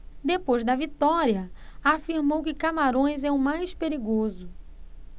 depois da vitória afirmou que camarões é o mais perigoso